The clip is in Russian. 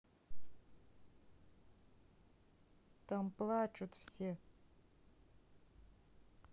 там плачут все